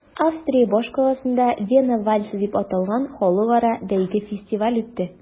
Австрия башкаласында “Вена вальсы” дип аталган халыкара бәйге-фестиваль үтте.